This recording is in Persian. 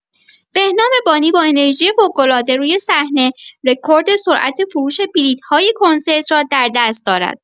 بهنام بانی با انرژی فوق‌العاده روی صحنه، رکورد سرعت فروش بلیط‌های کنسرت را در دست دارد.